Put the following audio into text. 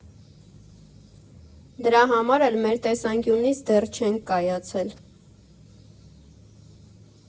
Դրա համար էլ մեր տեսանկյունից դեռ չենք կայացել։